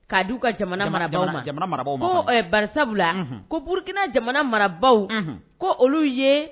Ka di u ka jamana marabaw ka jamana mara ko barisabula, burikina jamana marabaw ko olu ye